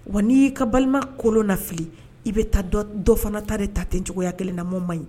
Wa n'i y'i ka balima kolon lafili, i bɛ taa dɔ dɔ fana ta de ta tɛ cogoya 1 na mun man ɲi.